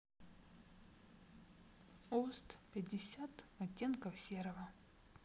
ост пятьдесят оттенков серого